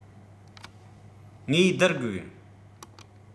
ངེས སྡུར དགོས